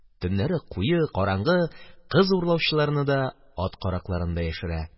Төннәре куе, караңгы, кыз урлаучыларны да, ат каракларын да яшерә.